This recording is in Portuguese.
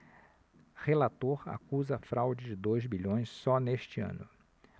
relator acusa fraude de dois bilhões só neste ano